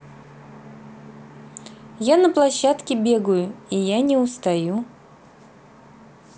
я на площадке бегаю и я не устаю